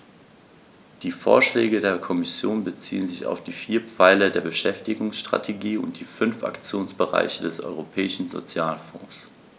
Die Vorschläge der Kommission beziehen sich auf die vier Pfeiler der Beschäftigungsstrategie und die fünf Aktionsbereiche des Europäischen Sozialfonds.